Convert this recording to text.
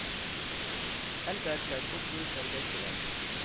Әлбәттә, күп су эчәргә кирәк